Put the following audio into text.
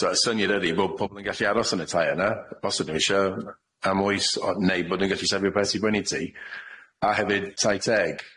So y syniad ydi bo' pobol yn gallu aros yn y tai yna os ydyn ni isio am oes o- neu bod yn gallu safio pres i bwyni ti a hefyd tai teg.